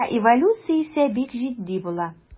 Ә эволюция исә бик җитди була.